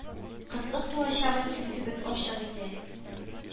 Кытлык туачагы көн кебек ачык иде